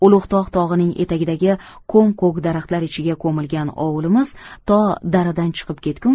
ulug'tog' tog'ining etagidagi ko'm ko'k daraxtlar ichiga ko'milgan ovulimiz to daradan chiqib